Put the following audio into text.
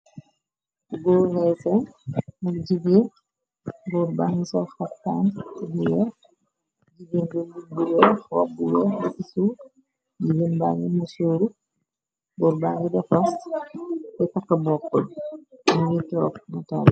Gorr lese nig jige buur ban so xaftan bu wekh jigeen bu bulo xoop buwe cisu jigeen bañni nësuuru buur bàñgi defast te tak bokkl mingi trop natob.